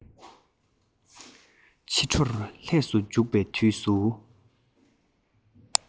ཕྱི དྲོར ལྷས སུ འཇུག པའི དུས སུ